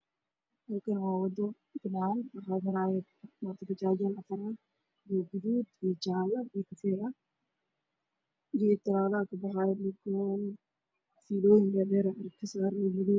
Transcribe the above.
Meeshaan waa lami waxaa maraya bajaajjo farabadan oo guduud ah laamiga filayn ayaa ka taagan oo dhaadheer